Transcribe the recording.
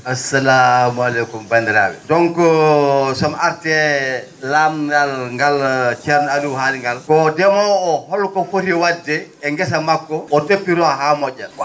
assalamu aleykum banndiraa?e donc so mi artii e laamndal ngal ceerno Aliou haali ngal ko ndemoowo o holko foti wa?de e ngesa makko o toppitoo haa mo??a